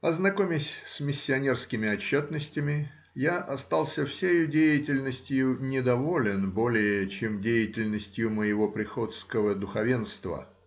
Ознакомясь с миссионерскими отчетностями, я остался всею деятельностью недоволен более, чем деятельностью моего приходского духовенства